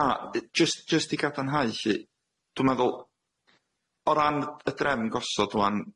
Na yy jyst jyst i gadarnhau lly, dwi'n meddwl o ran y drefn gosod rŵan.